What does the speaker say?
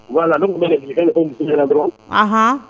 La ne tun bɛ dɔrɔn